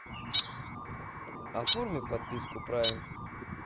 оформи подписку прайм